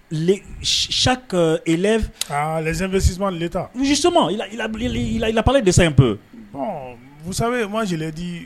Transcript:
le chaque élève a les investiments de l'etat justement il a parlé de ca un peu bon vous savez moi je l'ai dit